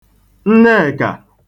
Nnekà